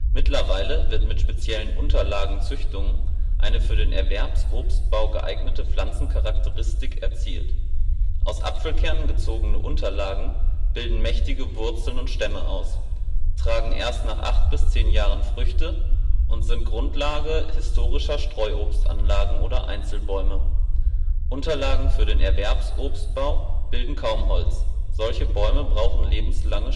mittlerweile wird mit speziellen Unterlagenzüchtungen eine für den Erwerbsobstbau geeignete Pflanzencharakteristik erzielt. Aus Apfelkernen gezogene Unterlagen bilden mächtige Wurzeln und Stämme aus, tragen erst nach 8 bis 10 Jahren Früchte und sind Grundlage historischer Streuobstanlagen oder Einzelbäume. Unterlagen für den Erwerbsobstbau bilden kaum Holz (solche „ Bäume “brauchen lebenslang